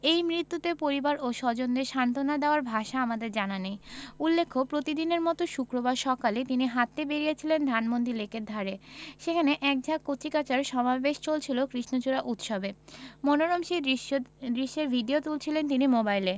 এই মৃত্যুতে পরিবার ও স্বজনদের সান্তনা দেয়ার ভাষা আমাদের জানা নেই উল্লেখ্য প্রতিদিনের মতো শুক্রবার সকালে তিনি হাঁটতে বেরিয়েছিলেন ধানমন্ডি লেকের ধারে সেখানে এক ঝাঁক কচিকাঁচার সমাবেশ চলছিল কৃষ্ণচূড়া উৎসবে মনোরম সেই দৃশ্য দৃশ্যের ভিডিও তুলছিলেন তিনি মোবাইলে